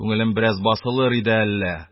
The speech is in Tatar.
, күңелем бераз басылыр иде әллә!